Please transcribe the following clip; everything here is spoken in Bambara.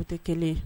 U tɛ kelen